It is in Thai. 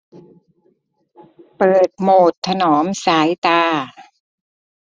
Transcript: เปิดโหมดถนอมสายตา